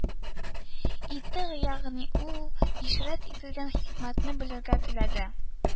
Итте, ягъни ул ишарәт ителгән хикмәтне белергә теләде